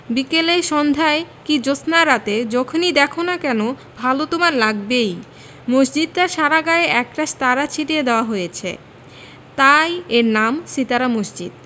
বিকেলে সন্ধায় কি জ্যোৎস্নারাতে যখনি দ্যাখো না কেন ভালো তোমার লাগবেই মসজিদটার সারা গায়ে একরাশ তারা ছিটিয়ে দেয়া হয়েছে তাই এর নাম সিতারা মসজিদ